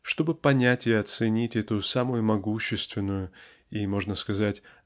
Чтобы понять и оценить эту самую могущественную и можно сказать